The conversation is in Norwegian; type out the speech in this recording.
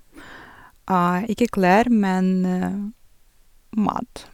Ikke klær, men mat.